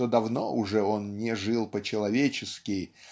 что давно уже он не жил по-человечески